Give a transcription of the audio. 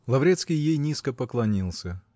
Лаврецкий ей низко поклонился.